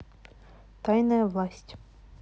тайная власть